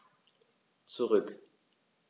Zurück.